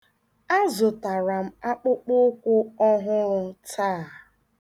Azụtara m akpụkpọ ụkwụ ọhụrụ taa.